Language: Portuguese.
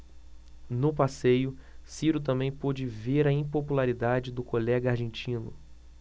no passeio ciro também pôde ver a impopularidade do colega argentino